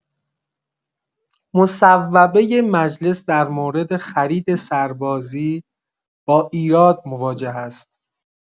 مصوبه مجلس در مورد خرید سربازی با ایراد مواجه است.